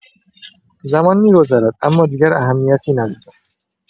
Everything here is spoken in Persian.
زمان می‌گذرد، اما دیگر اهمیتی ندارد.